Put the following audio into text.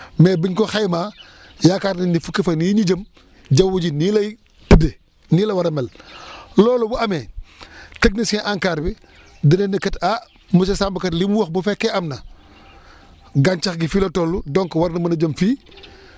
mais biñ ko xaymaa yaakaar nañ ni fukki fan yii ñu jëm jaww ji nii lay tëddee nii la war a mel loolu bu amee technicien Ancar bi dina ne kat ah monsieur Samb kat li mu wax bu fekkee am na gàncax gi fii la toll donc war na mën a jëm fii